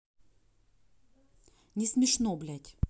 не смешно блять